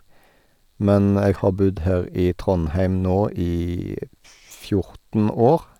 Men jeg har bodd her i Trondheim nå i fjorten år.